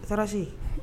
A taara se